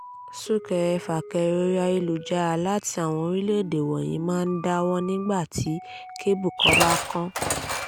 Súnkẹrẹ-fàkẹrẹ orí ayélujára láti àwọn orílẹ̀-èdè wọ̀nyìí máa ń dáwọ́ nígbà tí kébù bá kán.